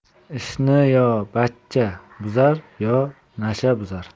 ishni yo bachcha buzar yo nasha buzar